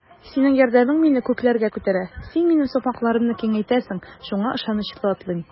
Синең ярдәмең мине күкләргә күтәрә, син минем сукмакларымны киңәйтәсең, шуңа ышанычлы атлыйм.